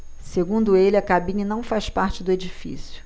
segundo ele a cabine não faz parte do edifício